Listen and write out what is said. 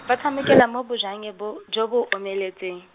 ba tshamekela mo bojannye bo, jo bo omeletseng.